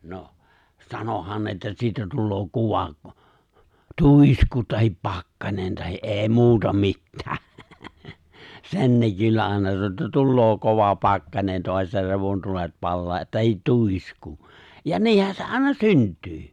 no sanoihan ne että siitä tulee kova tuisku tai pakkanen tai ei muuta mitään sen ne kyllä aina sanoi että tulee kova pakkanen taas jo revontulet palaa tai tuisku ja niinhän se aina syntyy